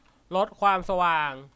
ลดความสว่าง